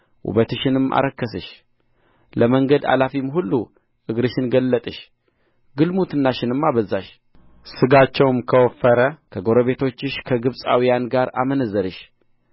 ውበትሽንም አረከስሽ ለመንገድ አላፊም ሁሉ እግርሽን ገለጥሽ ግልሙትናሽንም አበዛሽ ሥጋቸውም ከወፈረ ከጐረቤቶችሽ ከግብጻውያን ጋር አመነዘርሽ